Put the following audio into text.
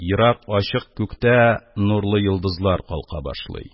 Ерак ачык күктә нурлы йолдызлар калка башлый.